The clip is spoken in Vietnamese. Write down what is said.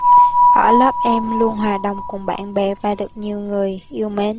ở lớp em luôn hòa đồng cùng bạn bè và được nhiều người yêu mến